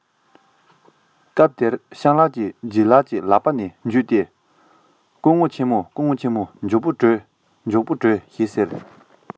སྐབས དེར སྤྱང ལགས ཀྱིས ལྗད ལགས ཀྱི ལག པ ནས ཇུས ཏེ སྐུ ངོ ཆེན མོ སྐུ ངོ ཆེན མོ མགྱོགས པོ བྲོས མགྱོགས པོ བྲོས ངའི བུ སྨྱོ བཞག ངའི བུ སྨྱོ བཞག ཁོས ང གཉིས ཀྱི རྗེས ཟིན ན ཚར བ རེད ཤི རྒྱུ མ གཏོགས ཡོད མ རེད ཟེར སྐད རྒྱབ